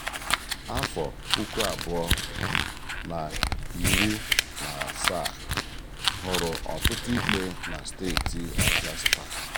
Afọ 2017 hụrụ ọtụtụ ikpe na steeti Rajasthan.